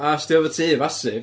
A os ti efo tŷ massive...